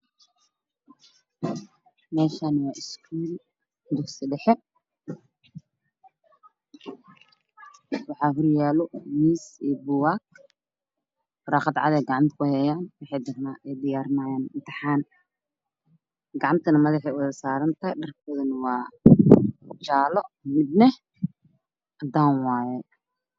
meeshan waa ischool dugsi dhexe waxa hor yaalo miis iyo bookag warqad cad gacanta ku hayaan kadibna waxa ay diyaarinayan imtixaan gacanta madaxa u wada saarantahay dharkooda waa jaalo midna cadaan waaye